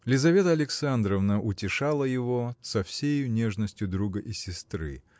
Лизавета Александровна утешала его со всею нежностью друга и сестры.